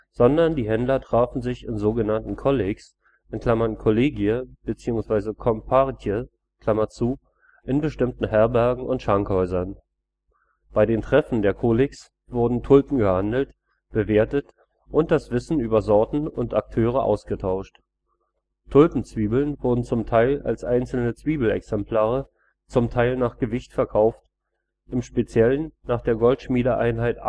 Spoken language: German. sondern die Händler trafen sich in so genannten Kollegs (collegie bzw. comparitje) in bestimmten Herbergen und Schankhäusern. Bei den Treffen der Kollegs wurden Tulpen gehandelt, bewertet und das Wissen über Sorten und Akteure ausgetauscht. Tulpenzwiebeln wurden zum Teil als einzelne Zwiebelexemplare, zum Teil nach Gewicht verkauft, im Speziellen nach der Goldschmiedeeinheit